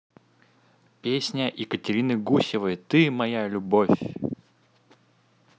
песня екатерины гусевой ты моя любовь